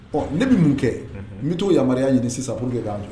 Ɔ ne bɛ mun kɛ ? Unhun , N bɛ t t'o yamaruya ɲini sisan pour que k'a jɔ.